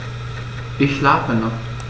Ich schlafe noch.